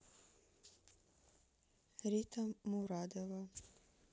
рита мурадова